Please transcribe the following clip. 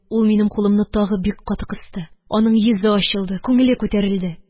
Ул минем кулымны тагы бик каты кысты, аның йөзе ачылды. Күңеле күтәрелде.